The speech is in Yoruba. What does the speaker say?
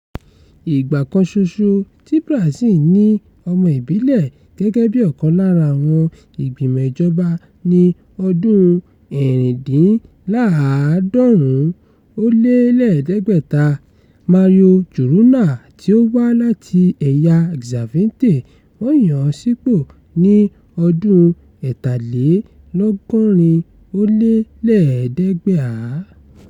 Ìgbà kan ṣoṣo tí Brazil ní ọmọ ìbílẹ̀ gẹ́gẹ́ bí ọkàn lára àwọn ìgbìmọ̀ ìjọba ni ọdún-un 1986 — Mario Juruna, tí ó wá láti ẹ̀yà Xavante, wọ́n yàn án sípò ní ọdún-un 1983.